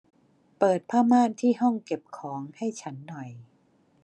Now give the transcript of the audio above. เปิดผ้าม่านที่ห้องเก็บของให้ฉันหน่อย